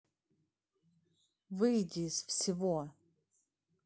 выйди из всего